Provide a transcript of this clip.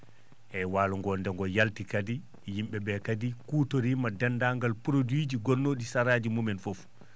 eeyi waalo ngoo nde ngo yalti kadi yim?e ?ee kadi kuutoriima deenndaagal produit gonnoo?i saraaji mumen fof